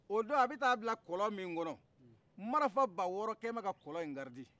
o do a bɛ ta bila kɔlɔn min kɔnɔ marifa bawɔrɔ kɛmɛ ka kɔlɔn in garide